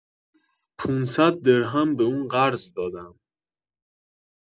۵۰۰ درهم به اون قرض دادم